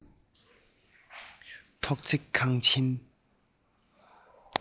ཐོག བརྩེགས ཁང ཆེན